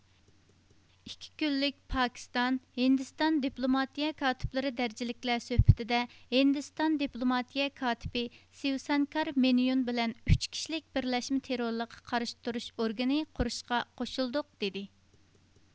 ئىككى كۈنلۈك پاكىستان ھىندىستان دىپلوماتىيە كاتىپلىرى دەرىجىلىكلەر سۆھبىتىدە ھىندىستان دىپلوماتىيە كاتىپى سىۋسانكار مېينون بىلەن ئۈچ كىشىلىك بىرلەشمە تېررورلۇققا قارشى تۇرۇش ئورگىنى قۇرۇشقا قوشۇلدۇق دىدى